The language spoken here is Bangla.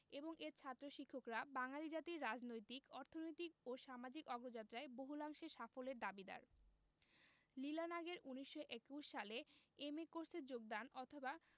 এবং এর ছাত্র শিক্ষকরা বাঙালি জাতির রাজনৈতিক অর্থনৈতিক ও সামাজিক অগ্রযাত্রায় বহুলাংশে সাফল্যের দাবিদার লীলা নাগের ১৯২১ সালে এম.এ কোর্সে যোগদান অথবা